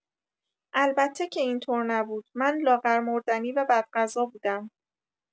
البته که اینطور نبود، من لاغرمردنی و بدغذا بودم.